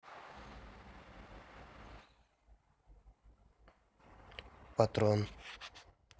патрон